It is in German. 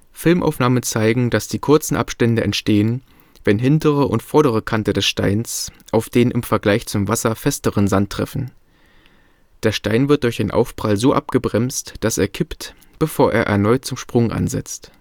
Filmaufnahmen zeigen, dass die kurzen Abstände entstehen, wenn hintere und vordere Kante des Steins auf den im Vergleich zum Wasser festeren Sand treffen. Der Stein wird durch den Aufprall so abgebremst, dass er kippt, bevor er erneut zum Sprung ansetzt